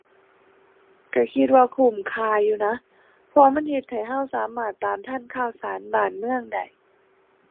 ก็คิดว่าคุ้มค่าอยู่นะ เพราะว่ามันเฮ็ดให้ก็สามารถตามทันข่าวสารบ้านเมืองได้